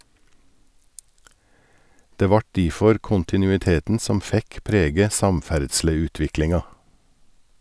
Det vart difor kontinuiteten som fekk prege samferdsleutviklinga.